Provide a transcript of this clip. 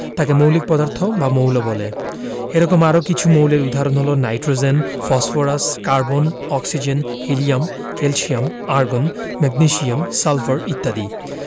তাকে মৌলিক পদার্থ বা মৌল বলে এরকম আরও কিছু মৌলের উদাহরণ হলো nitrogen phosphorus carbon oxygen helium calcium argon magnesium sulphur ইত্যাদি